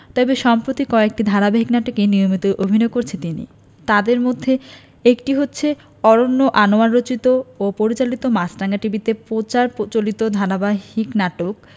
তবে সম্প্রতি কয়েকটি ধারাবাহিক নাটকে নিয়মিতই অভিনয় করছেন তিনি তার মধ্যে একটি হচ্ছে অরন্য আনোয়ার রচিত ও পরিচালিত মাছরাঙা টিভিতে প্রচার চলতি ধারাবাহিক নাটক